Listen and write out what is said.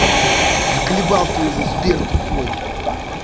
заколебал ты уже сбер тупой